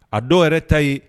A dɔw yɛrɛ ta yen